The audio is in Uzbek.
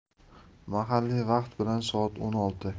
mahalliy vaqt bilan soat o'n olti